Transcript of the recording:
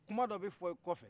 kuma dɔw bɛ fɔ i kɔfɛ